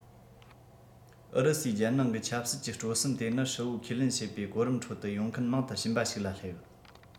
ཨུ རུ སུའི རྒྱལ ནང གི ཆབ སྲིད ཀྱི སྤྲོ སེམས དེ ནི ཧྲིལ པོ ཁས ལེན བྱེད པའི གོ རིམ ཁྲོད དུ ཡོང མཁན མང དུ ཕྱིན པ ཞིག ལ སླེབས